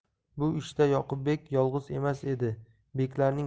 bu ishda yoqubbek yolg'iz emas edi beklarning